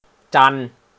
จันทร์